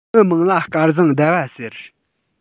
ངའི མིང ལ སྐལ བཟང ཟླ བ ཟེར